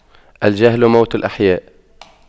الجهل موت الأحياء